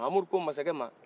mamudu ko masakɛ ma